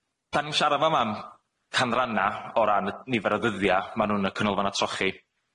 'Dan ni'n siarad fa'ma am canranna o ran y nifer o ddyddia' ma' nw'n y canolfanna trochi.